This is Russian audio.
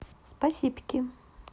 спасибки